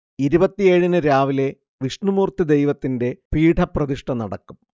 ഇരുപത്തിയേഴിന് രാവിലെ വിഷ്ണുമൂർത്തി ദൈവത്തിന്റെ പീഠപ്രതിഷ്ഠ നടക്കും